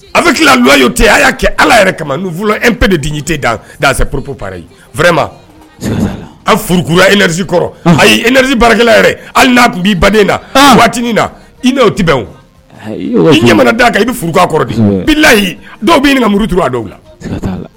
A bɛ kilayo te a y'a kɛ ala yɛrɛ kamap de d tɛ pp pama a furu eriz kɔrɔ ayi iz barakɛ hali tun b' bannen na waati na i tɛ' ɲɛmana d'a kan i bɛ furu kɔrɔlayi dɔw bɛi ka murutu a dɔw la